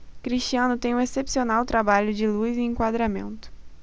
cristiano tem um excepcional trabalho de luz e enquadramento